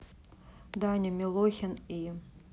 даня милохин и